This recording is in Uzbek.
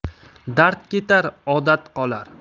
dard ketar odat qolar